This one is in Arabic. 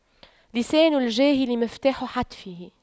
لسان الجاهل مفتاح حتفه